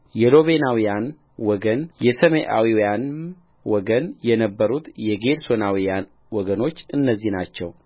የሎቤናውያን ወገን የሰሜአውያንም ወገን ነበሩት የጌድሶናውያን ወገኖች እነዚህ ናቸው